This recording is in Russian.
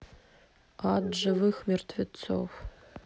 ад живых мертвецов